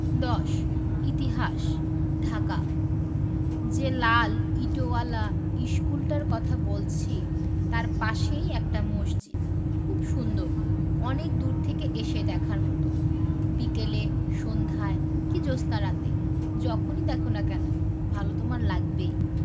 ১০ ইতিহাস ঢাকা যে লাল ইটোয়ালা ইশকুলটার কথা বলছি তাই পাশেই একটা মসজিদ খুব সুন্দর অনেক দূর থেকে এসে দেখার মতো বিকেলে সন্ধায় কি জ্যোৎস্নারাতে যখনি দ্যাখো না কেন ভালো তোমার লাগবেই